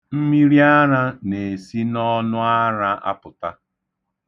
Mmiriara na-esi n'ọnụara apụta.